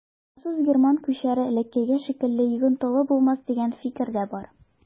Француз-герман күчәре элеккеге шикелле йогынтылы булмас дигән фикер дә бар.